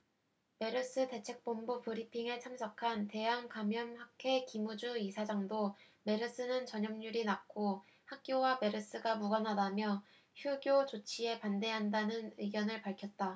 메르스 대책본부 브리핑에 참석한 대한감염학회 김우주 이사장도 메르스는 전염률이 낮고 학교와 메르스가 무관하다며 휴교 조치에 반대한다는 의견을 밝혔다